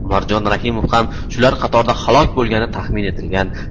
umarjon rahimov ham shular qatorida halok bo'lgani taxmin etilgan